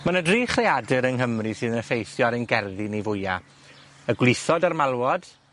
Ma' 'na dri chreadur yng Nghymru sydd yn effeithio ar ein gerddi ni fwya, y gwlithod a'r malwod,